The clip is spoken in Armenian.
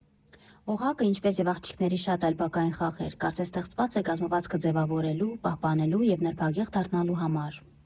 Օղակը, ինչպես և աղջիկների շատ այլ բակային խաղեր, կարծես ստեղծված է կազմվածքը ձևավորելու, պահպանելու և նրբագեղ դառնալու համար։